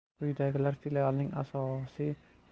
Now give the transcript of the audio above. quyidagilar filialning asosiy